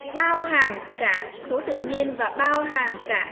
bao hàm cả số tự nhiên và bao hàm cả